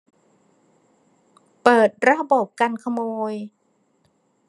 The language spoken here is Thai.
เปิดระบบกันขโมย